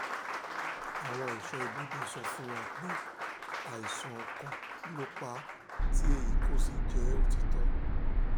Àwọn ẹ̀ṣọ́-ibodè sọ fún wa pé àìsàn ọkàn ló pa á, tí èyí kò sì jẹ́ òtítọ́.